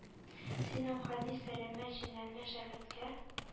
Син, Әүхәди,- сәләмә җиләнле шәкерткә